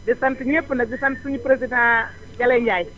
di sant ñépp nag di sant suñu président Jalle Ndiaye